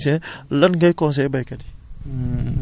loo xamante ne bokkul ci question yii nii rekk